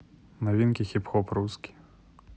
новинки хип хоп русские